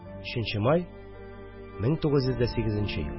3 нче май, 1908 ел